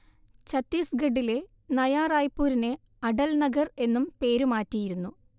ഛത്തീസ്ഗഢിലെ നയാ റായ്പുരിനെ അടൽ നഗർ എന്നും പേരുമാറ്റിയിരുന്നു